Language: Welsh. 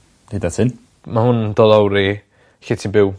Hyd at hyn. Ma' hwn yn do' lawr i lle ti'n byw.